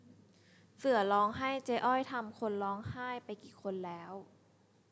เสือร้องไห้เจ๊อ้อยทำคนร้องไห้ไปกี่คนแล้ว